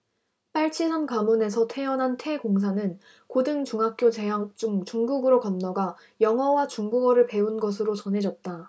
빨치산 가문에서 태어난 태 공사는 고등중학교 재학 중 중국으로 건너가 영어와 중국어를 배운 것으로 전해졌다